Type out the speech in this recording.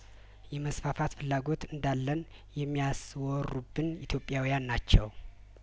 የመስፋፋት ፍላጐት እንዳለን የሚያስ ወሩብን ኢትዮጵያውያን ናቸው